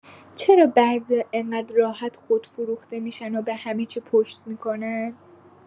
چرا بعضیا انقدر راحت خودفروخته می‌شن و به همه چی پشت می‌کنن؟